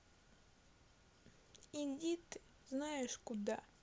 иди ты знаешь куда